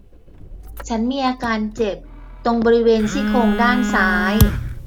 ฉันมีอาการเจ็บตรงบริเวณซี่โครงด้านซ้าย